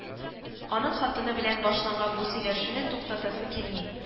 Аның хатыны белән башланган бу сөйләшүне туктатасы килми